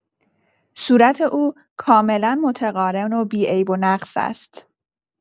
صورت او کاملا متقارن و بی‌عیب و نقص است.